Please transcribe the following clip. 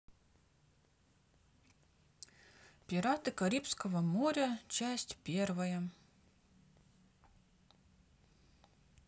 пираты карибского моря часть первая